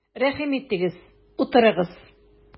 Рәхим итегез, утырыгыз!